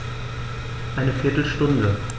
Eine viertel Stunde